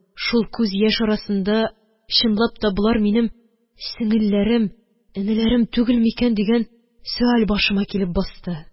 Шул күз яшь арасында «чынлап та, болар минем сеңелләрем, энеләрем түгелме икән?» дигән сөаль башыма килеп басты